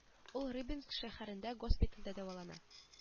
Ул рыбинск шәһәрендә госпитальдә дәвалана